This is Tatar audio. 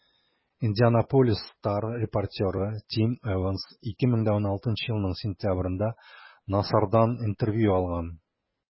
«индианаполис стар» репортеры тим эванс 2016 елның сентябрендә нассардан интервью алган.